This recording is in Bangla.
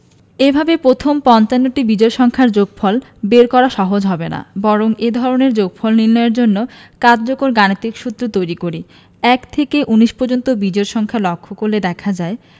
এভাবে প্রথম পঞ্চাশটি বিজোড় সংখ্যার যোগফল বের করা সহজ হবে না বরং এ ধরনের যোগফল নির্ণয়ের জন্য কার্যকর গাণিতিক সূত্র তৈরি করি ১ থেকে ১৯ পর্যন্ত বিজোড় সংখ্যা লক্ষ করলে দেখা যায়